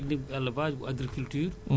bu fekkee ne yàqu-yàqu am na